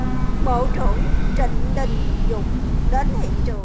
bộ trưởng trịnh đình dũng đến hiện trường